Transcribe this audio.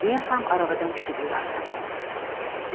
men ham aravadan tushib yurardim